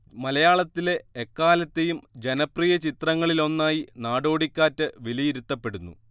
മലയാളത്തിലെ എക്കാലത്തെയും ജനപ്രിയ ചിത്രങ്ങളിലൊന്നായി നടോടിക്കാറ്റ് വിലയിരുത്തപ്പെടുന്നു